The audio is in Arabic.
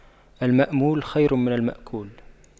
المأمول خير من المأكول